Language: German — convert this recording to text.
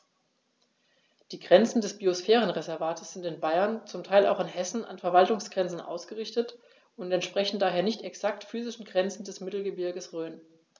Die Grenzen des Biosphärenreservates sind in Bayern, zum Teil auch in Hessen, an Verwaltungsgrenzen ausgerichtet und entsprechen daher nicht exakten physischen Grenzen des Mittelgebirges Rhön.